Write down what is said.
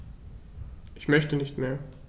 Ich möchte nicht mehr.